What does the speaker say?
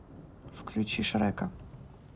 включи шрека